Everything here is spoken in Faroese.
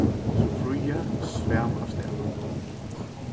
so fríði svam avstað